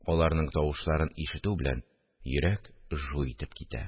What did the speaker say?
Аларның тавышларын ишетү белән, йөрәк жу итеп китә